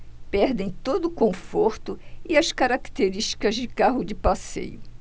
perdem todo o conforto e as características de carro de passeio